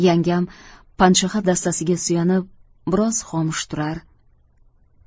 yangam panshaxa dastasiga suyanib biroz xomush turar